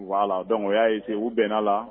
Wala donc u y'a essaye u bɛnna la